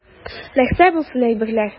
Нәрсә булсын, әйберләр.